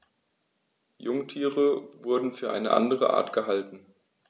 Jungtiere wurden für eine andere Art gehalten.